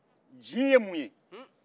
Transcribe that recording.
jin ye mun ye